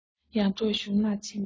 ཡར འབྲོག གཞུང ལ ཕྱིན པས